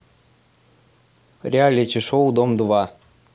реалити шоу дом два